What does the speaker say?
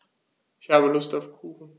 Ich habe Lust auf Kuchen.